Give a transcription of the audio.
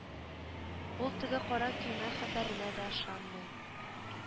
Ул теге кара көймә хәбәренә дә ышанмый